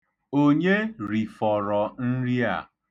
Onye rifọrọ nri a?